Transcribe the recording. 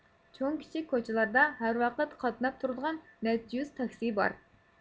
چوڭ كىچىك كوچىلاردا ھەر ۋاقىت قاتناپ تۇرىدىغان نەچچە يۈز تاكسى بار